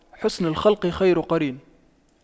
حُسْنُ الخلق خير قرين